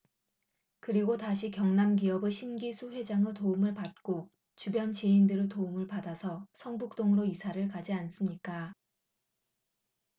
그리고 다시 경남기업의 신기수 회장의 도움을 받고 주변 지인들의 도움을 받아서 성북동으로 이사를 가지 않습니까